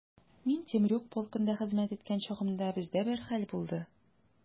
Мин Темрюк полкында хезмәт иткән чагымда, бездә бер хәл булды.